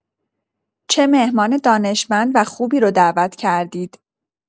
چه مهمان دانشمند و خوبی رو دعوت کردید.